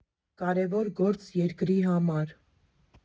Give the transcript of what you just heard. Կարևոր գործ երկրի համար։